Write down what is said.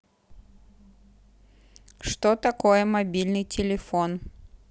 что такое мобильный тефон